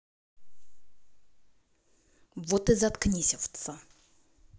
вот и заткнись овца